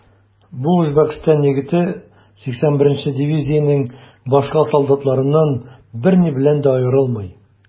Бу Үзбәкстан егете 81 нче дивизиянең башка солдатларыннан берни белән дә аерылмый.